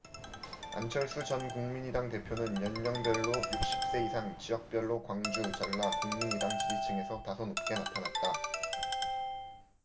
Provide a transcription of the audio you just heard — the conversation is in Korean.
안철수 전 국민의당 대표는 연령별로 육십 세 이상 지역별로 광주 전라 국민의당 지지층에서 다소 높게 나타났다